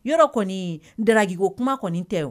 Yɔrɔ kɔni daiginko kuma kɔni tɛ